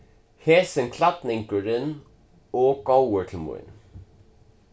hesin klædningurin ov góður til mín